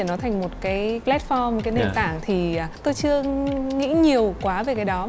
nó thành một cái lét phom nền tảng thì tôi chưa nghĩ nhiều quá về cái đó mà